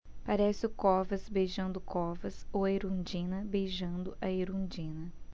parece o covas beijando o covas ou a erundina beijando a erundina